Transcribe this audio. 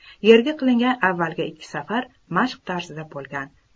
yerga qilingan avvalgi ikki safar mashq tarzida bo'lgan